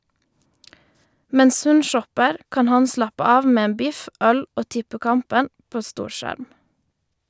Mens hun shopper, kan han slappe av med en biff, øl og tippekampen på storskjerm.